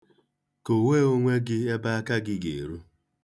Kowe onwe gị ebe aka gị ga-eru.